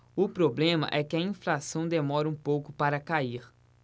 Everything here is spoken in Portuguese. o problema é que a inflação demora um pouco para cair